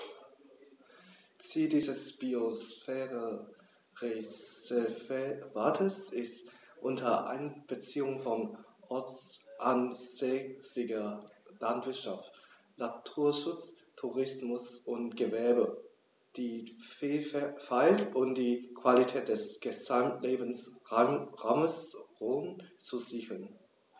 Ziel dieses Biosphärenreservates ist, unter Einbeziehung von ortsansässiger Landwirtschaft, Naturschutz, Tourismus und Gewerbe die Vielfalt und die Qualität des Gesamtlebensraumes Rhön zu sichern.